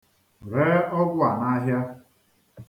Ree ọgwụ a n'ahịa.